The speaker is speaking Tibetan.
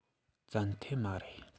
བཙན ཐབས མ རེད